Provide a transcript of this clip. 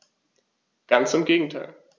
Ganz im Gegenteil.